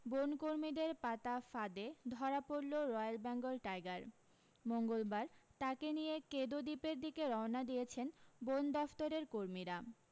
বন কর্মীদের পাতা ফাঁদে ধরা পড়লো রয়্যাল বেঙ্গল টাইগার মঙ্গলবার তাকে নিয়ে কেঁদো দ্বীপের দিকে রওনা দিয়েছেন বন দফতরের কর্মীরা